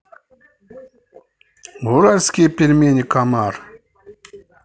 уральские пельмени комар